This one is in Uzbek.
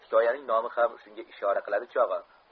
hikoyaning nomi ham shunga ishora qiladi chog'i